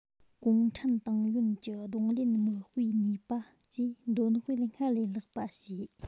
གུང ཁྲན ཏང ཡོན གྱི གདོང ལེན མིག དཔེའི ནུས པ བཅས འདོན སྤེལ སྔར ལས ལྷག པ བྱས